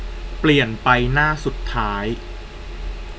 เปลี่ยนหน้าไปหน้าสุดท้าย